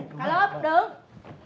cả lớp đứng